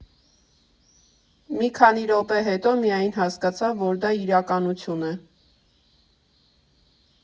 Մի քանի րոպե հետո միայն հասկացա, որ դա իրականություն է։